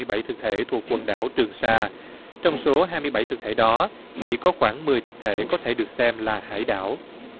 bảy thực thể thuộc quần đảo trường sa trong số hai mươi bảy thực thể đó chỉ có khoảng mười thực thể có thể được xem là hải đảo